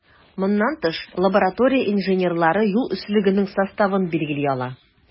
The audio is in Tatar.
Моннан тыш, лаборатория инженерлары юл өслегенең составын билгели ала.